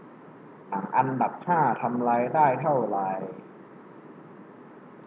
หนังอันดับห้าทำรายได้เท่าไหร่